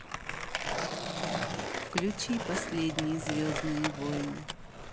включи последние звездные войны